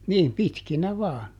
niin pitkinä vain